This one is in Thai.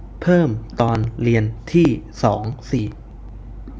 เพิ่มตอนเรียนที่สองสี่